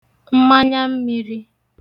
mmanya mmīrī